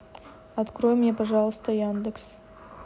открой мне пожалуйста яндекс